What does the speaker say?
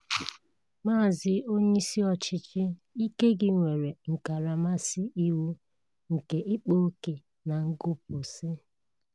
Maazị onye isi ọchịchị, ike gị nwere nkaramasị iwu nke ịkpa oke na ngụpusị.